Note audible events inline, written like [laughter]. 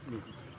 [hesitation] [hesitation]